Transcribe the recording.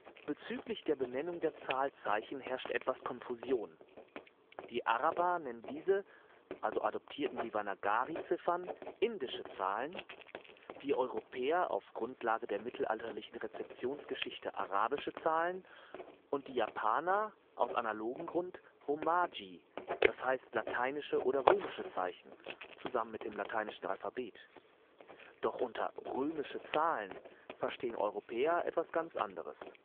Bezüglich der Benennung der Zahlzeichen herrscht etwas Konfusion: Die Araber nennen diese (adoptierten Devanagari -) Ziffern indische Zahlen, wir Europäer auf Grundlage der mittelalterlichen Rezeptionsgeschichte arabische Zahlen und die Japaner aus analogem Grund Romaji, d. h. lateinische oder römische Zeichen (zusammen mit dem lat. Alphabet). Doch unter ' römischen Zahlen ' verstehen Europäer wiederum etwas ganz anderes…